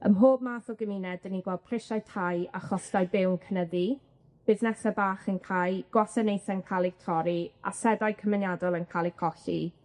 Ym mhob math o gymuned, 'dyn ni'n gweld prisiau tai a chostau byw yn cynyddu, busnese bach yn cau, gwasanaethe'n ca'l eu torri, asedau cymunedol yn ca'l eu colli.